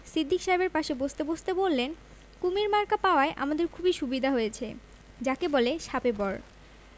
সিদ্দিক সাহেবের পাশে বসতে বসতে বললেন কুমীর মার্কা পাওয়ায় আমাদের খুবই সুবিধা হয়েছে যাকে বলে শাপে বর